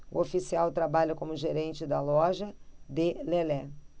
o oficial trabalha como gerente da loja de lelé